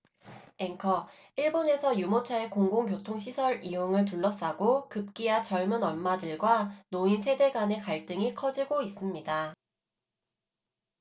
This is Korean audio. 앵커 일본에서 유모차의 공공 교통시설 이용을 둘러싸고 급기야 젊은 엄마들과 노인 세대 간의 갈등이 커지고 있습니다